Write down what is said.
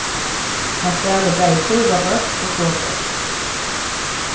hann spælir bæði kurvabólt og flogbólt